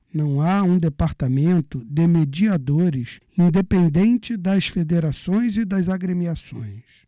não há um departamento de mediadores independente das federações e das agremiações